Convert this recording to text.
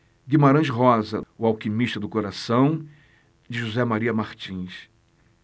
guimarães rosa o alquimista do coração de josé maria martins